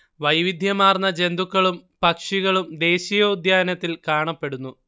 വൈവിധ്യമാർന്ന ജന്തുക്കളും പക്ഷികളും ദേശീയോദ്യാനത്തിൽ കാണപ്പെടുന്നു